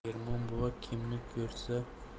ermon buva kimni